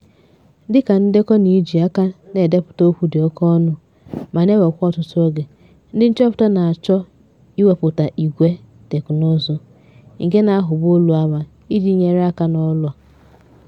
Dịka ndekọ na iji aka na-edepụta okwu dịoke ọnụ ma na-ewekwa ọtụtụ oge, ndị nchọpụta na- achọ iweputa ígwè teknụzụ nke na-ahụba olu ama iji nyere aka n'ọrụ a.